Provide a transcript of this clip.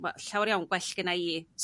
ma' llawer iawn gwell gynna i